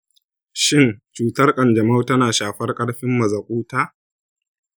shin cutar kanjamau tana shafar ƙarfin mazakuta?